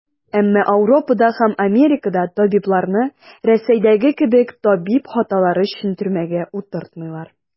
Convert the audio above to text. Әмма Ауропада һәм Америкада табибларны, Рәсәйдәге кебек, табиб хаталары өчен төрмәгә утыртмыйлар.